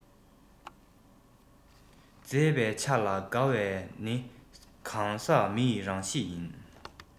མཛེས པའི ཆ ལ དགའ བ ནི གང ཟག མི ཡི རང གཤིས ཡིན